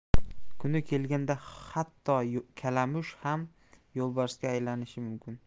kuni kelganda hatto kalamush ham yo'lbarsga aylanishi mumkin